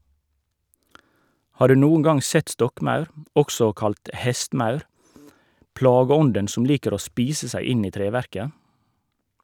Har du noen gang sett stokkmaur, også kalt hestemaur, plageånden som liker å spise seg inn i treverket?